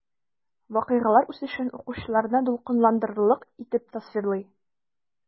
Вакыйгалар үсешен укучыларны дулкынландырырлык итеп тасвирлый.